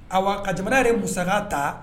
Ayiwa ka jamana yɛrɛ musaka ta